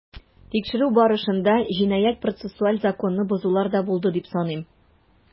Тикшерү барышында җинаять-процессуаль законны бозулар да булды дип саныйм.